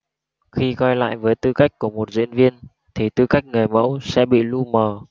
khi quay lại với tư cách của một diễn viên thì tư cách người mẫu sẽ bị lu mờ